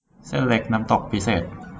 เส้นเล็กน้ำตกพิเศษ